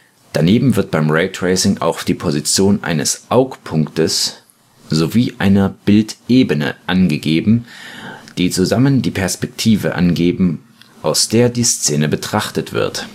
Daneben wird beim Raytracing auch die Position eines Augpunktes sowie einer Bildebene angegeben, die zusammen die Perspektive angeben, aus der die Szene betrachtet wird